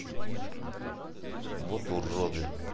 вот уроды